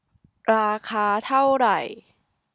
ราคาเท่าไหร่